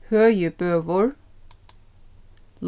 høgibøur